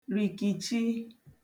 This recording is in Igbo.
rìkìchi